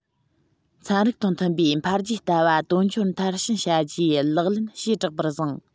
ཚན རིག དང མཐུན པའི འཕེལ རྒྱས ལྟ བ དོན འཁྱོལ མཐར ཕྱིན བྱ རྒྱུའི ལག ལེན བྱེ བྲག པར བཟུང